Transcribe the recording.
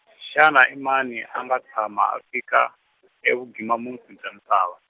xana i mani a nga tshama a fika, evugima musi bya misava?